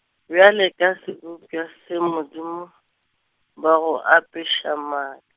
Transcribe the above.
bjale ka sebopša se Modimo, ba go apeša maa-.